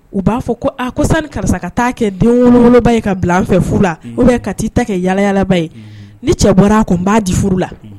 U b'a fɔ ko Aa ko sani karisa ka taaa kɛ denwolo denwoloba ye ka bila an fɛ fuu la ou bilen ka t'i ta kɛ yaalaba ye, ni cɛ bɔra' kɔ n b'a di furu la, unhun